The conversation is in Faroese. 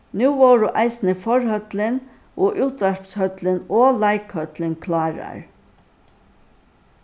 nú vóru eisini forhøllin og útvarpshøllin og leikhøllin klárar